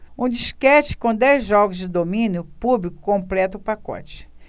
um disquete com dez jogos de domínio público completa o pacote